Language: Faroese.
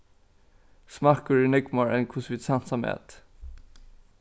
smakkur er nógv meira enn hvussu vit sansa mat